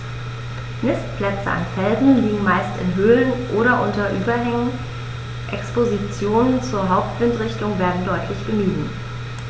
Nistplätze an Felsen liegen meist in Höhlungen oder unter Überhängen, Expositionen zur Hauptwindrichtung werden deutlich gemieden.